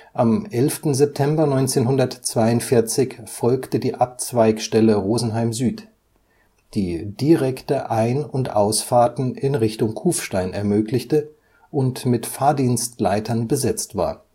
Am 11. September 1942 folgte die Abzweigstelle Rosenheim Süd, die direkte Ein - und Ausfahrten in Richtung Kufstein ermöglichte und mit Fahrdienstleitern besetzt war